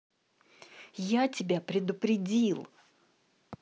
я тебя предупредил